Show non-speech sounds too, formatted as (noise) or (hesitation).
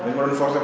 (hesitation) (hesitation)